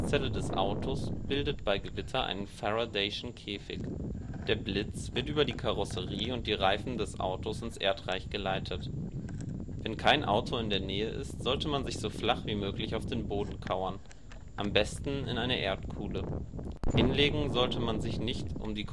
bildet bei Gewitter einen Faradayschen Käfig. Der Blitz wird über die Karosserie und die Reifen des Autos ins Erdreich geleitet. Wenn kein Auto in der Nähe ist, sollte man sich so flach wie möglich auf den Boden kauern, am besten in eine Erdkuhle. Hinlegen sollte man sich nicht, um die